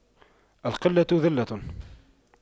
القلة ذلة